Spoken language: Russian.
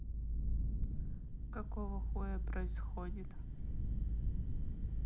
какого хуя происходит